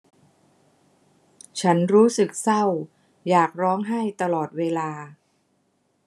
ฉันรู้สึกเศร้าอยากร้องไห้ตลอดเวลา